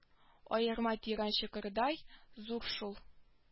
Аерма тирән чокырдай зур шул